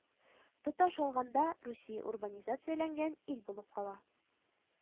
Тоташ алганда Русия урбанизацияләнгән ил булып кала